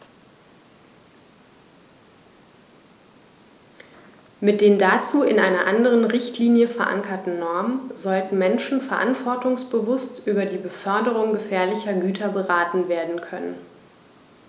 Mit den dazu in einer anderen Richtlinie, verankerten Normen sollten Menschen verantwortungsbewusst über die Beförderung gefährlicher Güter beraten werden können.